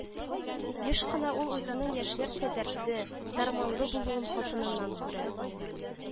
Еш кына ул үзенең яшьләрчә дәртле, дәрманлы булуын хатыныннан күрә